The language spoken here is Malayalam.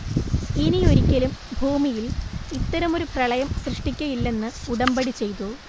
ഇനിയൊരിക്കലും ഭൂമിയിൽ ഇത്തരമൊരു പ്രളയം സൃഷ്ടിക്കയില്ലെന്ന് ഉടമ്പടി ചെയ്തു